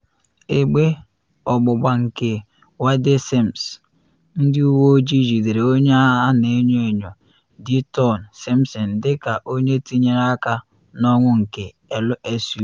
Egbe ọgbụgba nke Wayde Sims: Ndị uwe ojii jidere onye a na enyo enyo Dyteon Simpson dịka onye tinyere aka n'ọnwụ nke LSU